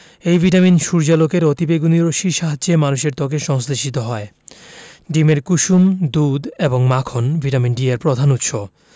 এই ভিটামিন সূর্যালোকের অতিবেগুনি রশ্মির সাহায্যে মানুষের ত্বকে সংশ্লেষিত হয় ডিমের কুসুম দুধ এবং মাখন ভিটামিন ডি এর প্রধান উৎস